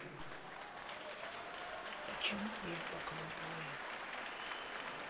почему небо голубое